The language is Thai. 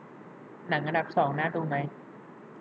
หนังอันดับสองน่าดูไหม